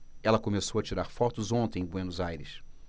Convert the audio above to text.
ela começou a tirar fotos ontem em buenos aires